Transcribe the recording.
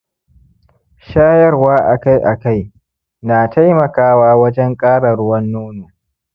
shayarwa akai-akai na taimakawa wajen ƙara ruwan nono